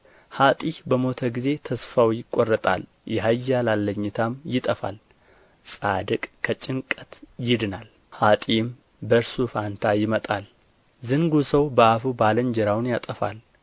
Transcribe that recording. ኀጥእ በሞተ ጊዜ ተስፋው ይቈረጣል የኃያል አለኝታም ይጠፋል ጻድቅ ከጭንቀት ይድናል ኀጥእም በእርሱ ፋንታ ይመጣል ዝንጉ ሰው በአፉ ባልንጀራውን ያጠፋል